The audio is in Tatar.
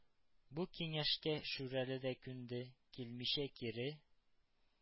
Бу киңәшкә Шүрәле дә күнде, килмичә кире,